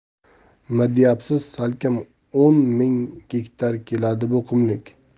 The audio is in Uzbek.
nima deyapsiz salkam o'n ming gektar keladi bu qumlik